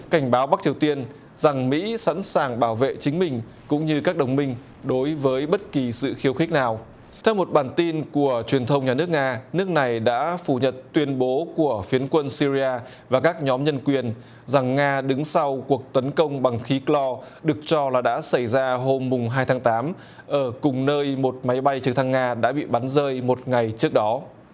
cảnh báo bắc triều tiên rằng mỹ sẵn sàng bảo vệ chính mình cũng như các đồng minh đối với bất kỳ sự khiêu khích nào theo một bản tin của truyền thông nhà nước nga nước này đã phủ nhận tuyên bố của phiến quân sy ri a và các nhóm nhân quyền rằng nga đứng sau cuộc tấn công bằng khí cờ lo được cho là đã xảy ra hôm mùng hai tháng tám ở cùng nơi một máy bay trực thăng nga đã bị bắn rơi một ngày trước đó